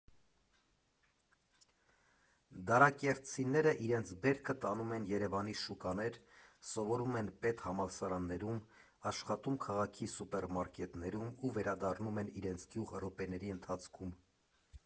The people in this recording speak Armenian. Դարակերտցիները իրենց բերքը տանում են Երևանի շուկաներ, սովորում են պետհամալսարաններում, աշխատում քաղաքի սուպերմարկետներում ու վերադառնում են իրենց գյուղ րոպեների ընթացքում։